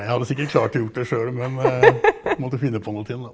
jeg hadde sikkert klart å gjort det sjøl men måtte finne på noe til han.